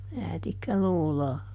räätikkäloota